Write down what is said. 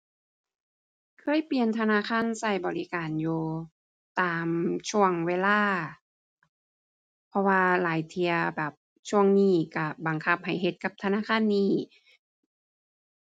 เคยเปลี่ยนธนาคารใช้บริการอยู่ตามช่วงเวลา เพราะว่าหลายเที่ยแบบ ช่วงนี้ใช้บังคับให้เฮ็ดกับธนาคารนี้